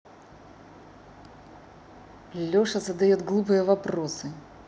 леша задает глупые вопросы